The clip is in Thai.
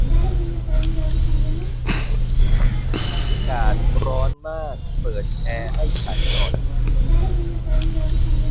อากาศร้อนมากเปิดแอร์ให้ฉันหน่อย